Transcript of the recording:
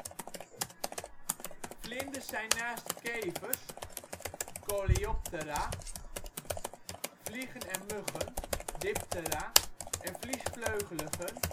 Vlinders zijn naast kevers (Coleoptera), vliegen en muggen (Diptera) en vliesvleugeligen